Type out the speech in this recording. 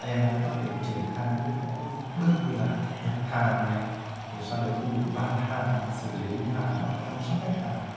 em ấy có thể tự triển khai những bước như nhập hàng bán hàng xử lý hàng hóa chăm sóc khách hàng